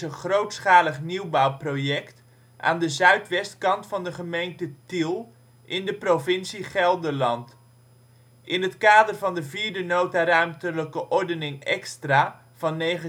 grootschalig nieuwbouwproject aan de zuidwestkant van de gemeente Tiel, in de provincie Gelderland. In het kader van de Vierde Nota Ruimtelijke Ordening Extra (1993